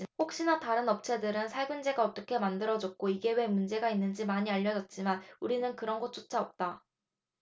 옥시나 다른 업체들은 살균제가 어떻게 만들어졌고 이게 왜 문제가 있는지 많이 알려졌지만 우리는 그런 것조차 없다